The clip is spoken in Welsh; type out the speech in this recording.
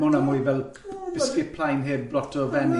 Ma' hwnna'n mwy fel biscuit plaen heb lot o fenyn.